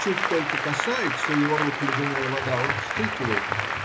Чуть только касается его рук ледяная вода, он вскрикивает